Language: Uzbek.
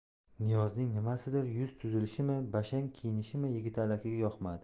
niyozning nimasidir yuz tuzilishimi bashang kiyinishimi yigitali akaga yoqmadi